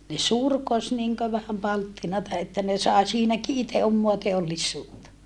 ne surkosi niin kuin vähän palttinaa että ne sai siinäkin itse omaa teollisuutta